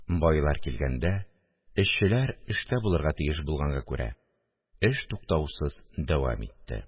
Байлар килгәндә, эшчеләр эштә булырга тиеш булганга күрә, эш туктаусыз дәвам итте